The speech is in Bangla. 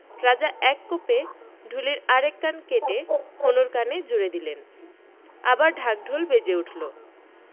রাজা এক কোপে ঢুলির আর এক কান কেটে হনুর কানে জুড়ে দিলেন আবার ঢাক ঢোল বেজে উঠল